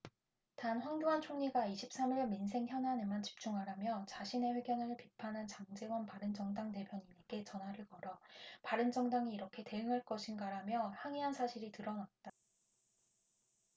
단 황교안 총리가 이십 삼 일 민생 현안에만 집중하라며 자신의 회견을 비판한 장제원 바른정당 대변인에게 전화를 걸어 바른정당이 이렇게 대응할 것인가라며 항의한 사실이 드러났다